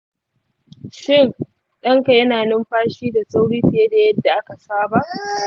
shin ɗanka yana numfashi da sauri fiye da yadda aka saba?